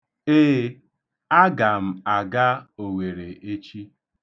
Ee, aga m aga Owere echi.